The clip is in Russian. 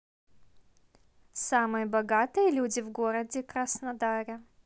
самые богатые люди в городе краснодаре